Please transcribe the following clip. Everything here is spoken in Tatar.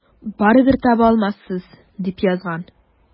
Барыбер таба алмассыз, дип язган.